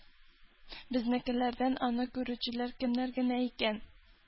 Безнекеләрдән аны күрүчеләр кемнәр генә икән?